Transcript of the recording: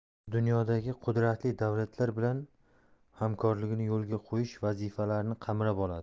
dunyodagi qudratli davlatlar bilan hamkorligini yo'lga qo'yish vazifalarini qamrab oladi